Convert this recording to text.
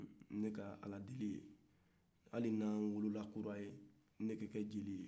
ne ka ala deli ye hali n'an wolola kura ye ne ka ke jeli ye